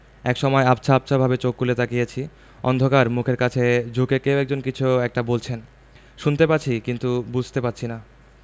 একসময় আবছা আবছাভাবে চোখ খুলে তাকিয়েছি অন্ধকার মুখের কাছে ঝুঁকে কেউ কিছু একটা বলছেন শুনতে পাচ্ছি কিন্তু বুঝতে পারছি না